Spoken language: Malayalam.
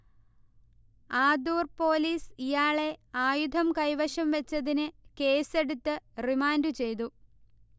ആദൂർ പോലീസ് ഇയാളെ ആയുധം കൈവശം വച്ചതിന് കേസെടുത്ത് റിമാൻഡുചെയ്തു